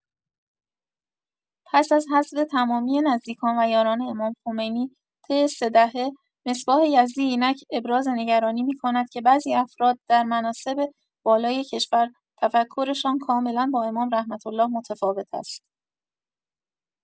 پس از حذف تمامی نزدیکان و یاران امام‌خمینی طی سه دهه، مصباح یزدی اینک ابراز نگرانی می‌کند که بعضی افراد در مناصب بالای کشور تفکرشان کاملا با امام (ره) متفاوت است!